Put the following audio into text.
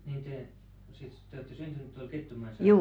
niin te siis te olette syntynyt tuolla Kettumaan saarella